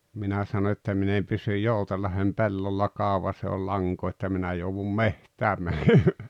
minä sanoin että minä en pysy Joutsenlahden pellolla kauan jos ei oli lankaa että minä joudun metsään menemään